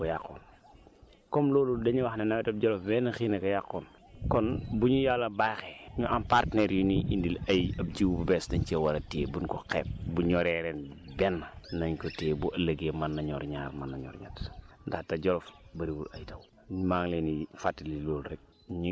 ndax toujours dañuy wax ne nawetu Djolof moom wenn xiin a ko yàqoon comme loolu dañuy wax ne nawetu Djolof wenn xiin a ko yàqoon kon bu ñu yàlla baaxee ñu am partenaires yu ñuy indil ay ab jiwu bu bees dañ cee war a téye bu ñu ko xeeb bu ñoree ren benn nañ ko téye bu ëllëgee mën na ñor ñaar mën na ñor ñett ndaxte Djolof bëriwul ay taw